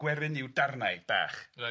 Gweryn yw darnau bach. Reit.